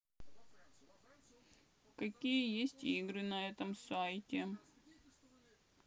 какие есть игры на этом сайте